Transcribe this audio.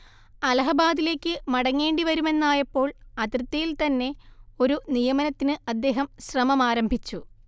അലഹബാദിലേക്ക് മടങ്ങേണ്ടി വരുമെന്നായപ്പോൾ അതിർത്തിയിൽത്തന്നെ ഒരു നിയമനത്തിന് അദ്ദേഹം ശ്രമമാരംഭിച്ചു